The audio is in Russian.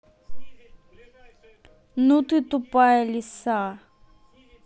ну ты тупая лиса